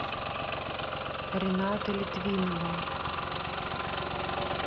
рената литвинова